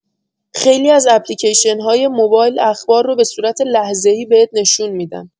خیلی از اپلیکیشن‌های موبایل اخبار رو به صورت لحظه‌ای بهت نشون می‌دن.